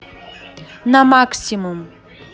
на максимум